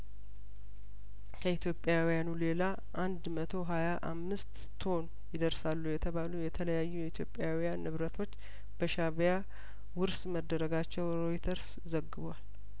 ከኢትዮጵያ ውያኑ ሌላ አንድ መቶ ሀያአምስት ቶን ይደር ሳሉ የተባሉ የተለያዩ የኢትዮጵያውያን ንብረቶች በሻእቢያ ውርስ መደረጋቸው ሮይተርስ ዘግቧል